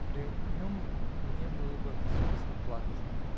При нем мне было бы совестно плакать